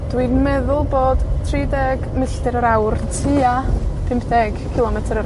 Dwi'n meddwl bod tri deg milltir yr awr tua pump deg cilometyr yr